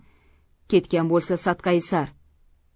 ketgan bo'lsa sadqayi sar